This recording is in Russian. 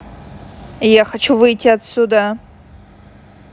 я хочу выйти отсюда